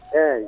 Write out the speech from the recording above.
eyyi